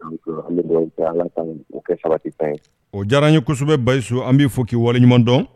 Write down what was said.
O diyara ye kosɛbɛ bayi su an b'i fo k' wariɲuman dɔn